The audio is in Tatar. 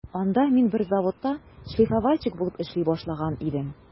Анда мин бер заводта шлифовальщик булып эшли башлаган идем.